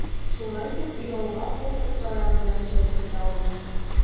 Шулай итеп, ялга култык таягы белән чыгып китә ул.